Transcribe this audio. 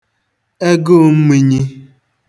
ẹgụụ̄ mmūnyī